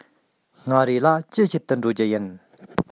མངའ རིས ལ ཅི བྱེད དུ འགྲོ རྒྱུ ཡིན